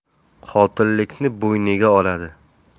qotillikni bo'yniga oladi